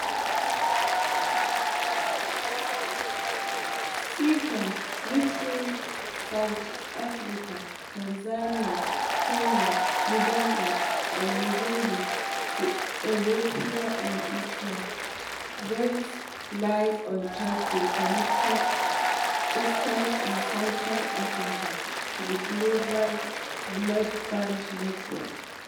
Seacom, which links South Africa, Tanzania, Kenya, Uganda and Mozambique to Europe and Asia, went live on Thursday, connecting eastern and southern Africa to the global broadband network.